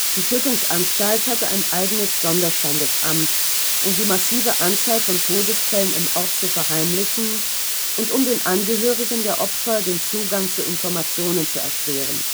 Die Tötungsanstalt hatte ein eigenes Sonderstandesamt, um die massive Anzahl von Todesfällen im Ort zu verheimlichen und um den Angehörigen der Opfer den Zugang zu Informationen zu erschweren